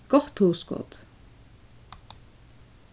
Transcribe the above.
gott hugskot